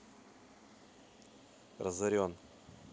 разорен